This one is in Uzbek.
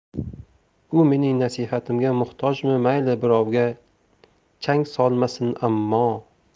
u mening nasihatimga muhtojmi mayli birovga chang solmasin ammo